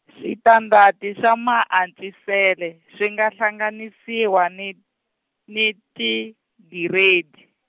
switandati swa maantswisele swi nga hlanganisiwa ni ni tigiredi.